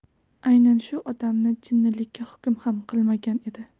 aynan shu odamni jinnilikka hukm ham qilmagan edi